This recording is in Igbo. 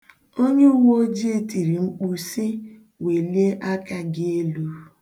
Onyuuweojii tiri mkpu sị "welie aka gị elu!"